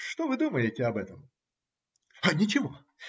Что вы думаете об этом? - Ничего.